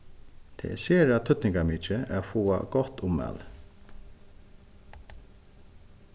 tað er sera týdningarmikið at fáa gott ummæli